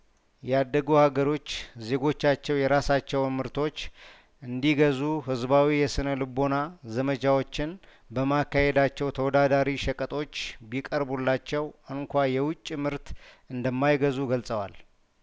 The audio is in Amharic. ያደጉ አገሮች ዜጐቻቸው የራሳቸውን ምርቶች እንዲገዙ ህዝባዊ የስነ ልቦና ዘመቻዎችን በማካሄዳቸው ተወዳዳሪ ሸቀጦች ቢቀርቡላቸው እንኳ የውጭ ምርት እንደማይገዙ ገልጸዋል